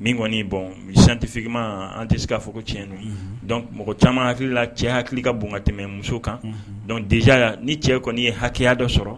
Min kɔni bon scientifiquement an tɛ se k'a fɔ ko tiɲɛ don, donc mɔgɔ caman hakilila cɛ hakili ka bon ka tɛmɛ muso kan, donc déjà ni cɛ kɔni ye hakɛya dɔ sɔrɔ,